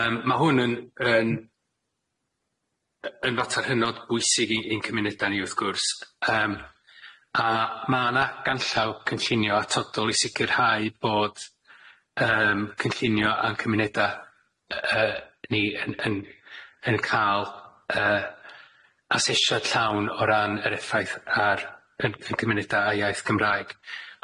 Yym ma' hwn yn yn, yn fater hynod bwysig i i'n cymuneda ni wrth gwrs yym a ma' na ganllaw cynllunio atodol i sicirhau bod yym cynllunio a'n cymuneda yy yy ni yn yn yn ca'l yy cymuneda ni yn ca'l yy asesiad llawn o ran yr effaith ar yn cymuneda a iaith Gymraeg.